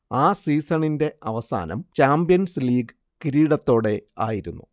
ആ സീസണിന്റെ അവസാനം ചാമ്പ്യൻസ് ലീഗ് കിരീടത്തോടെയായിരുന്നു